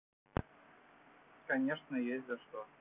конечно есть за что